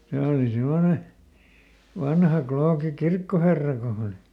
se oli semmoinen vanha klooki kirkkoherra kun hän oli